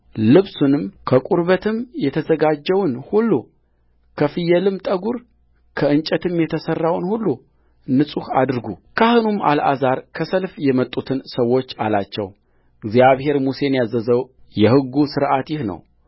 ልብስንም ከቁርበትም የተዘጋጀውን ሁሉ ከፍየልም ጠጕር ከእንጨትም የተሠራውን ሁሉ ንጹሕ አድርጉካህኑም አልዓዛር ከሰልፍ የመጡትን ሰዎች አላቸው እግዚአብሔር ሙሴን ያዘዘው የሕጉ ሥርዓት ይህ ነው